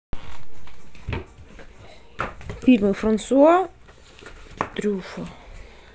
фильмы франсуа трюффо